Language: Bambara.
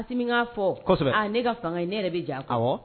Min'a fɔ ne ka fanga ne yɛrɛ bɛ jan wa